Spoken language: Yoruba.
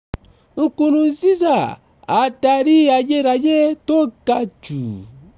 Nkurunziza,' Adarí ayérayé tó ga jù'